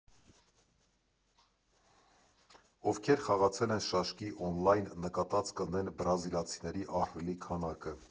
Ովքեր խաղացել են շաշկի օնլայն, նկատած կլինեն բրազիլացիների ահռելի քանակը։